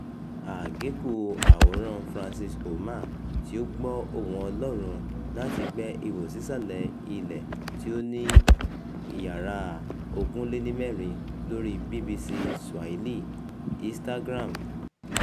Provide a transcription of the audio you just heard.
Àgékù àwòrán-an Francis Ouma, tí ó gbọ́ ohùn Ọlọ́run láti gbẹ́ ihò sísàlẹ̀ ilẹ̀ tí ó ní 24 ìyàrá lóríi BBC Swahili / Instagram.